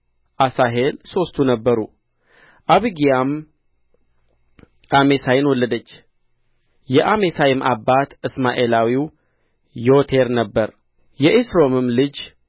አሣሄል ሦስቱ ነበሩ አቢግያም አሜሳይን ወለደች የአሜሳይም አባት እስማኤላዊው ዬቴር ነበረ የኤስሮምም ልጅ